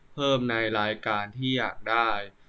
เพิ่มในรายการที่อยากได้